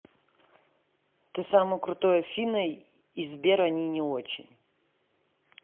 ты самый крутой афина и сбер они не очень